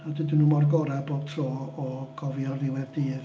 Ac dydyn nhw mo'r gorau bod tro o gofio ar ddiwedd dydd.